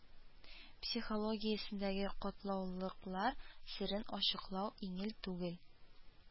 Психологиясендәге катлаулыклар серен ачыклау иңел түгел